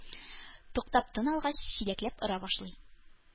Туктап тын алгач, чиләкләп ора башлый